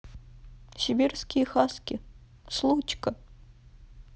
сибирские хаски случка